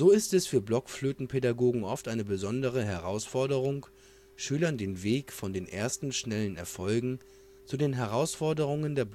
ist es für Blockflötenpädagogen oft eine besondere Herausforderung Schülern den Weg von den ersten schnellen Erfolgen zu den Herausforderungen der